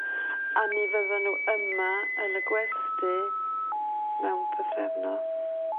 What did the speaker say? ... a mi fyddan n'w yma yn y gwesty mewn pythefnos.